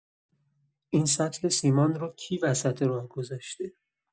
این سطل سیمان رو کی وسط راه گذاشته؟